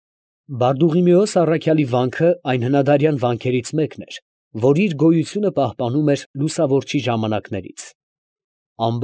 Բարդուղիմեոս առաքյալի վանքը այն հնադարյան վանքերից մեկն էր, որ իր գոյությունը պահպանում էր Լուսավորչի ժամանակներից։